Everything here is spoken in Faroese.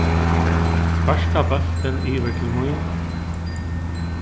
sparka bóltin yvir til mín